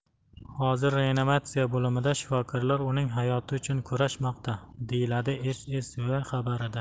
hozir reanimatsiya bo'limida shifokorlar uning hayoti uchun kurashmoqda deyiladi ssv xabarida